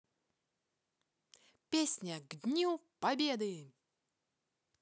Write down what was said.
песня к дню победы